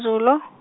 Zulu.